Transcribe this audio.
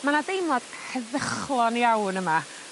Ma' 'na deimlad heddychlon iawn yma